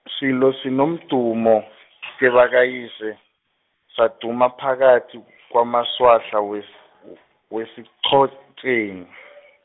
silo sinomdumo, kebakayise, saduma phakathi kwamaswahla, wes- w- weSichotjeni .